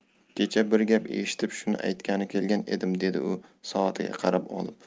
kecha bir gap eshitib shuni aytgani kelgan edim dedi u soatiga qarab olib